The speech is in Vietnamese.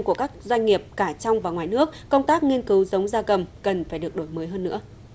của các doanh nghiệp cả trong và ngoài nước công tác nghiên cứu giống gia cầm cần phải được đổi mới hơn nữa